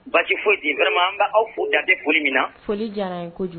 Basi foyi dima an b' aw fo dantɛ foli min na foli jara ye ko kojugu